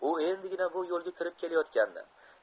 u endigina bu yo'lga kirib kelayotgandi